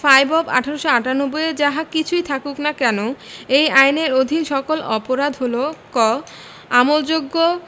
five of ১৮৯৮ এ যাহা কিছুই থাকুক না কেন এই আইনের অধীন সকল অপরাধঃ ক আমলযোগ্য